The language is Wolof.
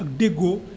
ak ndéggoo